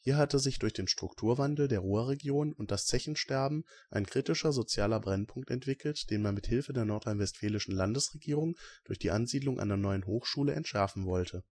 hatte sich durch den Strukturwandel der Ruhrregion und das Zechensterben ein kritischer sozialer Brennpunkt entwickelt, den man mit Hilfe der nordrhein-westfälischen Landesregierung durch die Ansiedlung einer neuen Hochschule entschärfen wollte